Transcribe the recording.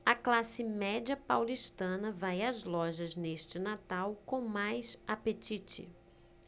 a classe média paulistana vai às lojas neste natal com mais apetite